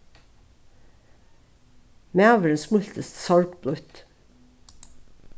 maðurin smíltist sorgblítt